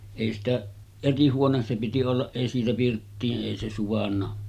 ei sitä eri huone se piti olla ei siitä pirttiin ei se suvainnut